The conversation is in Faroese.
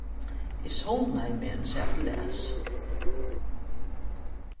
eg sovnaði meðan eg sat og las